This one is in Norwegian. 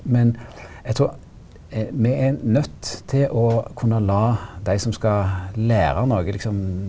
men eg trur me er nøydt til å kunne la dei som skal læra noko liksom.